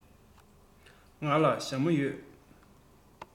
ང ལ ཞྭ མོ ཡོད